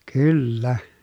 kyllä